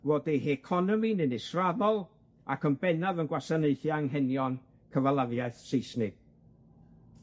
fod ei heconomi'n un israddol ac yn bennaf yn gwasanaethu anghenion cyfalafiaeth Saesnig.